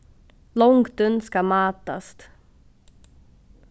longdin skal mátast